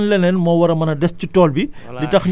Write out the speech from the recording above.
donc lan leneen moo war a mën a des ci tool bi